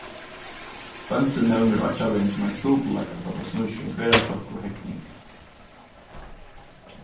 bóndin nevnir oyggjarvegin sum ein trupulleika tá tað snýr seg um ferðafólk og hegning